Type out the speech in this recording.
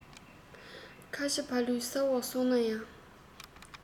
ཁ ཆེ ཕ ལུ ས འོག སོང ན ཡང